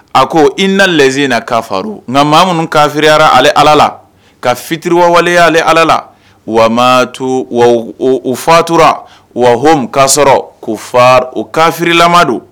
A ko i na lesina kafaru maa minnu kafiriyara allah la ka fitiriwawale'ale ala la wa ma tu u fatura wa hum ka sɔrɔ k'u faru kafirilama don